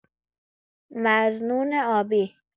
مظنون آبی